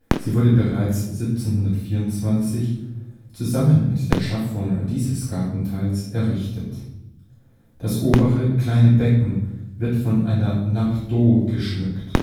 Sie wurde bereits 1724 zusammen mit der Schaffung dieses Gartenteils errichtet. Das obere, kleinere Becken wird von einer nappe d’ eau geschmückt